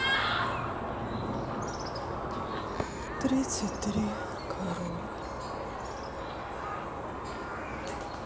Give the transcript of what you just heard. тридцать три коровы